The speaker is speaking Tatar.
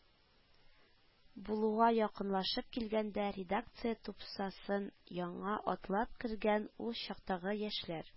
Булуга якынлашып килгәндә редакция тупсасын яңа атлап кергән ул чактагы яшьләр